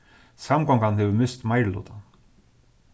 samgongan hevur mist meirilutan